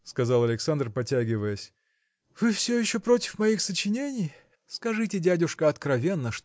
– сказал Александр, потягиваясь, – вы всё еще против моих сочинений! Скажите дядюшка откровенно